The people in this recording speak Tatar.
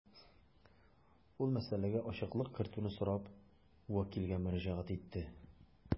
Ул мәсьәләгә ачыклык кертүне сорап вәкилгә мөрәҗәгать итте.